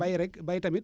bay rek bay tamit